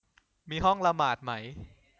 มีห้องละหมาดไหม